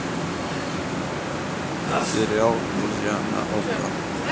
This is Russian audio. сериал друзья на окко